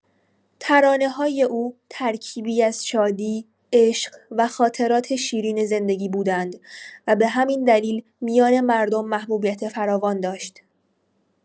ترانه‌های او ترکیبی از شادی، عشق و خاطرات شیرین زندگی بودند و به همین دلیل میان مردم محبوبیت فراوان داشت.